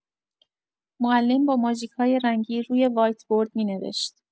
معلم با ماژیک‌های رنگی روی وایت‌برد می‌نوشت.